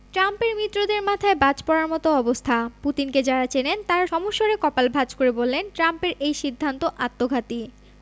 ট্রাম্পের মিত্রদের মাথায় বাজ পড়ার মতো অবস্থা পুতিনকে যাঁরা চেনেন তাঁরা সমস্বরে কপাল ভাঁজ করে বললেন ট্রাম্পের এই সিদ্ধান্ত আত্মঘাতী